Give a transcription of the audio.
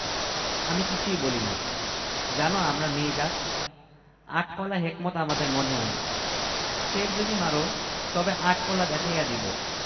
আমি কিছুই বলি না জান আমরা মেয়ে জাত আট কলা হেকমত আমাদের মনে মনে ফের যদি মার তবে আট কলা দেখাইয়া দিব